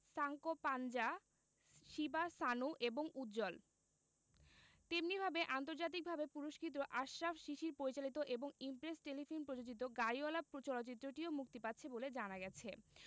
সাঙ্কোপাঞ্জা শিবা সানু এবং উজ্জ্বল তেমনিভাবে আন্তর্জাতিকভাবে পুরস্কৃত আশরাফ শিশির পরিচালিত এবং ইমপ্রেস টেলিফিল্ম প্রযোজিত গাড়িওয়ালা চলচ্চিত্রটিও মুক্তি পাচ্ছে বলে জানা গেছে